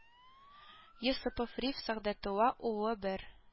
Йосыпов Риф Сәгъдәтулла улы бер